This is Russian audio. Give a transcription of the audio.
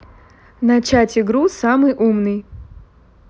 начать игру самый умный